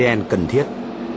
en cần thiết